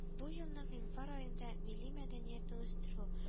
Бу елны гыйнвар аенда милли мәдәниятне үстерү